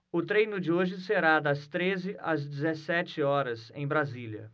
o treino de hoje será das treze às dezessete horas em brasília